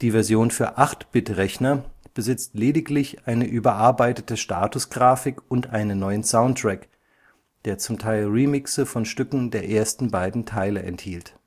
Version für 8-Bit-Rechner besitzt lediglich eine überarbeitete Statusgrafik und einen neuen Soundtrack, der zum Teil Remixe von Stücken der ersten beiden Teile enthielt